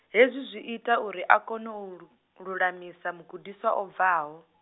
hezwi zwi ita uri a kone u lu-, lulamisa mugudiswa o bvaho.